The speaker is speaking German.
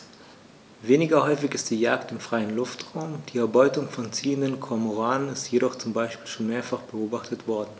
Weniger häufig ist die Jagd im freien Luftraum; die Erbeutung von ziehenden Kormoranen ist jedoch zum Beispiel schon mehrfach beobachtet worden.